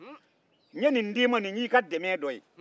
n e nin d'i ma nin y'i ka dɛmɛ dɔ ye